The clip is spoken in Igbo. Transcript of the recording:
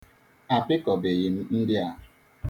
Apịkọbeghị m ndị a.